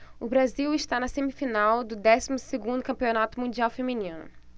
o brasil está na semifinal do décimo segundo campeonato mundial feminino